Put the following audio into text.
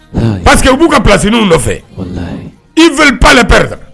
Pa que k'u ka psininw nɔfɛ ifi'ale pɛ